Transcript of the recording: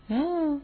Hun